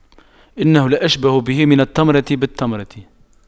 إنه لأشبه به من التمرة بالتمرة